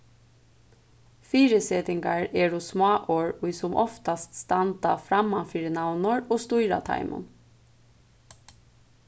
fyrisetingar eru smáorð ið sum oftast standa frammanfyri navnorð og stýra teimum